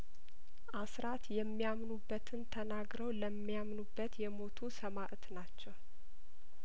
አስራት የሚያምኑበትን ተናግረው ለሚ ያምኑበት የሞቱ ሰማእት ናቸው